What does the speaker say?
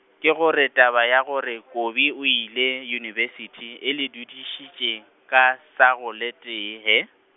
ke gore taba ya gore Kobi o ile yunibesithi, e le dudišitše, ka swago le tee hee.